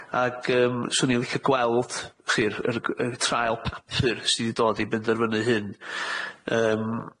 ag yym swn i'n licio gweld w'ch chi'r yr g- yr traul papur sy 'di dod i benderfynu hyn, yym.